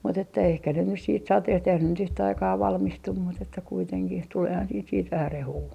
mutta että ehkä ne nyt sitten sateet eihän ne nyt yhtä aikaa valmistu mutta että kuitenkin tuleehan sitten sitten vähän rehua